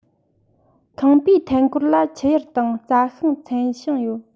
ཁང པའི ཐན ཀོར ལ ཆུ ཡུར དང རྩྭ ཤིང ཚལ ཞིང ཡོད